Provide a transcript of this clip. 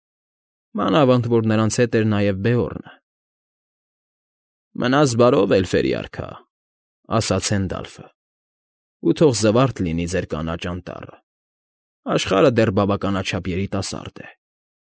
Մանավանդ որ նրանց հետ էր նաև Բեորնը։ ֊ Մնաս բարով, էլֆերի արքա,֊ ասաց Հենդալֆը։֊ Ու թող զվարթ լինի ձեր կանաչ անտառը, աշխարհը դեռ բավականաչափ երիտասարդ է…